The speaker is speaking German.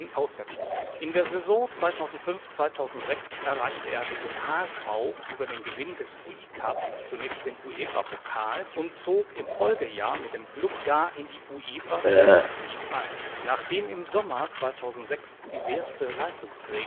Auswärtsspielen. In der Saison 2005/2006 erreichte er mit dem HSV über den Gewinn des UI-Cups zunächst den UEFA-Pokal und zog im Folgejahr mit dem Klub gar in die UEFA Champions League ein. Nachdem im Sommer 2006 diverse Leistungsträger